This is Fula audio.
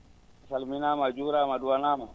a salminaama a juuraama a duwanaama